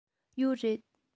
ཡོད རེད